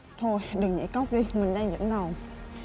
thôi mình nghĩ cách đi mình đang dẫn đầu